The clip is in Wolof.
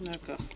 d' accord